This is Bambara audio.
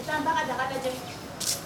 Ta n ba ka daga lajɛ